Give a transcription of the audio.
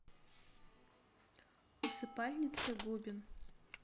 усыпальницы губин